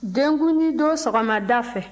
denkundidon sɔgɔmada fɛ